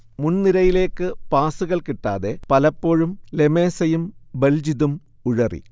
മുൻനിരയിലേക്ക് പാസുകൾ കിട്ടാതെ പലപ്പോഴും ലെമേസയും ബൽജിതും ഉഴറി